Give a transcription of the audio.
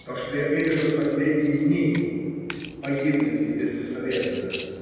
То, что я пережил в последние дни, погибнет ли бесследно?